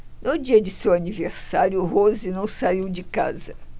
no dia de seu aniversário rose não saiu de casa